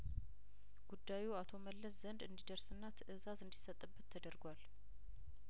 ጉዳዩ አቶ መለስ ዘንድ እንዲደርስና ትእዛዝ እንዲሰጥበት ተደርጓል